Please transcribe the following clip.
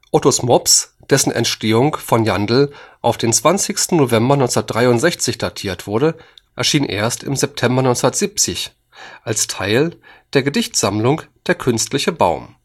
ottos mops, dessen Entstehung von Jandl auf den 20. November 1963 datiert wurde, erschien erst im September 1970 als Teil der Gedichtsammlung der künstliche baum